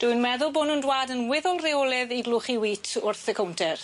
Dwi'n meddwl bo' nw'n dwad yn weddol reoledd i glwchu wît wrth y cownter.